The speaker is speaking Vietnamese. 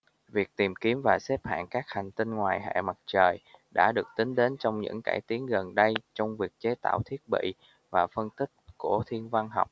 việc tìm kiếm và xếp hạng các hành tinh ngoài hệ mặt trời đã được tính đến trong những cải tiến gần đây trong việc chế tạo thiết bị và phân tích của thiên văn học